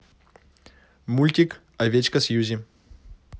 мультик овечка сьюзи